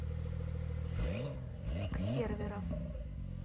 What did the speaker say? к сервера